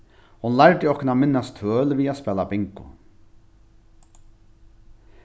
hon lærdi okkum at minnast tøl við at spæla bingo